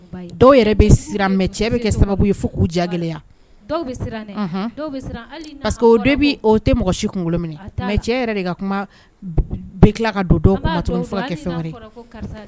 Dɔw mɛ cɛ bɛ kɛ sababu fo k'u ja dɔw tɛ mɔgɔ si kunkolo minɛ mɛ cɛ ka kuma tila ka don kɛ fɛn